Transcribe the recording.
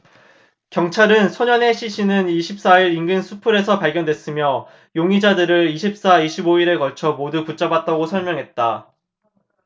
경찰은 소년의 시신은 이십 사 일 인근 수풀에서 발견됐으며 용의자들을 이십 사 이십 오 일에 걸쳐 모두 붙잡았다고 설명했다